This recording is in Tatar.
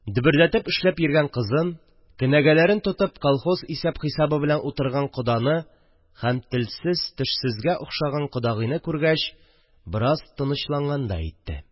Дөбердәтеп эшләп йөргән кызын, кенәгәләрен тотып колхоз исәп-хисабы белән утырган коданы һәм телсез-тешсезгә охшаган кодагыйны күргәч, бераз тынычлангандай итте